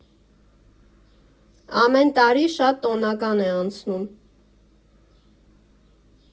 Ամեն տարի շատ տոնական է անցնում.